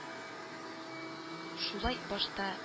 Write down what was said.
Шулай башта